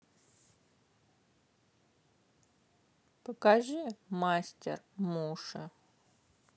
покажи мастер муши